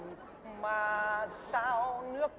mà sao nước